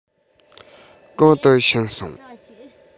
གང དུ ཕྱིན སོང